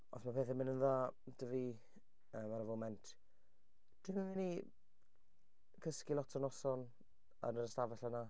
Os ma' pethau'n mynd yn dda 'da fi yym ar y foment, dwi'm yn mynd i gysgu lot o noson yn yr ystafell yna.